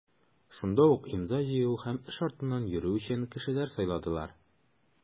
Шунда ук имза җыю һәм эш артыннан йөрү өчен кешеләр сайладылар.